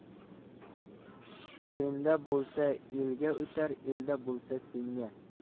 senda bo'lsa elga o'tar elda bo'lsa senga